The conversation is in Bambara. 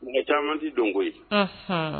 U camanti dɔnko ye